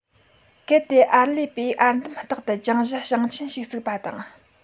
གལ ཏེ ཨར ལས པས ཨར འདམ རྟག ཏུ གྱང གཞི ཞེང ཆེན ཞིག བརྩིགས པ དང